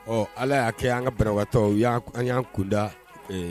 Ɔ ala y'a kɛ' an ka barawatɔ y an y'an koda ee